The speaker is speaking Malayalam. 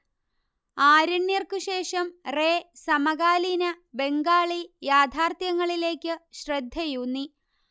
ആരണ്യർക്ക് ശേഷം റേ സമകാലീന ബംഗാളി യാഥാർത്ഥ്യങ്ങളിലേയ്ക്ക് ശ്രദ്ധയൂന്നി